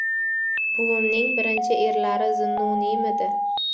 buvimning birinchi erlari zunnuniymidi